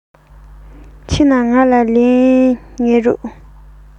ཕྱིན ན ང ལ ལན བྱིན རོགས